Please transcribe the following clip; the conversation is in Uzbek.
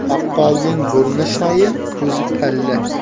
baqqolning burni shayin ko'zi palla